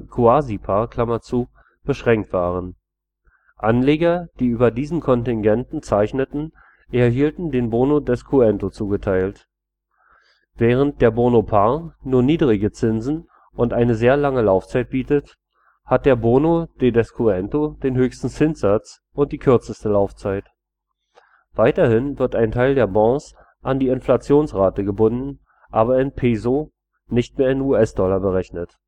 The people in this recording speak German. Cuasi Par) beschränkt waren. Anleger, die über diesen Kontingenten zeichneten, erhielten den Bono de Descuento zugeteilt. Während der Bono Par nur niedrige Zinsen und eine sehr lange Laufzeit bietet, hat der Bono de Descuento den höchsten Zinssatz und die kürzeste Laufzeit. Weiterhin wird ein Teil der Bonds an die Inflationsrate gebunden, aber in Pesos, nicht mehr in US-Dollar berechnet